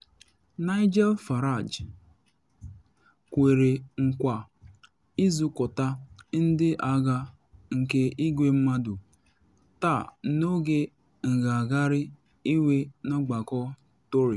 Nigel Farage kwere nkwa “izukọta ndị agha nke igwe mmadụ’ taa n’oge ngagharị iwe n’ọgbakọ Tory.